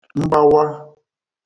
mgbawa